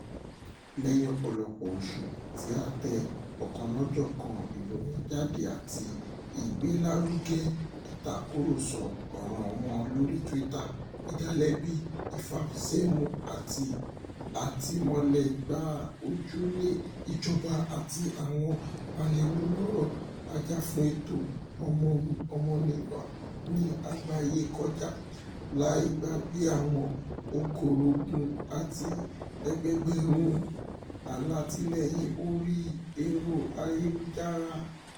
Lẹ́yìn ọ̀pọ̀lọpọ̀ oṣù tí a tẹ ọ̀kanòjọ̀kan ìròyìn jáde àti ìgbélárugẹ ìtàkùrọ̀sọ ọ̀ràn wọn lórí Twitter, ìdálébi ìfàṣẹmú àti àtìmọ́lé gba ojúlé ìjọba àti àwọn alẹ́nulọ́rọ̀ ajàfúnẹ̀tọ́ ọmọnìyàn ní àgbáyé kọjá, láì gbàgbé àwọn ọgọọ́gọ̀rún àti ẹgbẹẹ̀gbẹ̀rún alátìlẹ́yìn orí ẹ̀rọ-ayélujára.